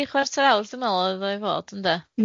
Tri chwarter awr dwi'n me'l oedd o i fod ynde?